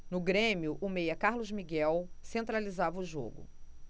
no grêmio o meia carlos miguel centralizava o jogo